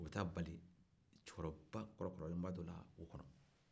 e bɛ taa bali cɛkɔrɔba kɔrɔkɔrɔlenba dɔ l'a ko kɔrɔ